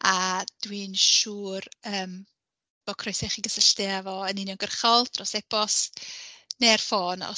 A dwi'n siwr bod croeso i chi gysylltu â fo yn uniongyrchol dros e-bost neu ar ffôn os...